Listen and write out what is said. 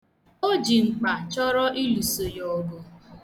O ji mkpa chọrọ ịluso ya ọgụ.